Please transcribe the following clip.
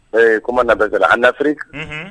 Ee comment on appelle cela, en Afrique, unhun.